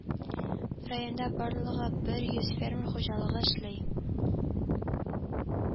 Районда барлыгы бер йөз фермер хуҗалыгы эшли